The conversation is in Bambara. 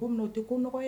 Ko min tɛ ko nɔgɔ ye